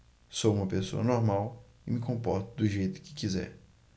sou homossexual e me comporto do jeito que quiser